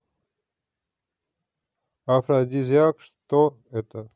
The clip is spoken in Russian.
афродизиак что это